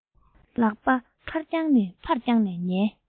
ལག པ ཕར བརྐྱངས ནས ཉལ